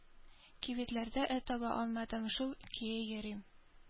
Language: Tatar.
Кибетләрдә таба алмадым, шул көе йөрим.